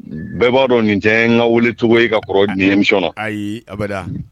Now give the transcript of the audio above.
Bɛɛ b'a dɔn nin tɛ n ka wele cogogo ye ka kɔrɔ di min ayi abada